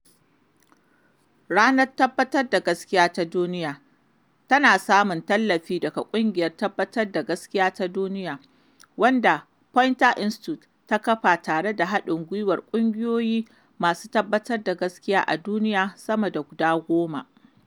Ranar Tabbatar da Gaskiya ta Duniya tana samun tallafi daga Ƙungiyar Tabbatar da Gaskiya ta Duniya, wadda Poynter Institute ta kafa tare da haɗin gwiwar ƙungiyoyi masu tabbatar da gaskiya a duniya sama da guda goma.